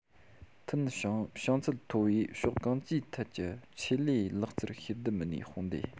མཐུན ཞིང བྱང ཚད མཐོ བའི ཕྱོགས གང ཅིའི ཐད ཀྱི ཆེད ལས ལག རྩལ ཤེས ལྡན མི སྣའི དཔུང སྡེ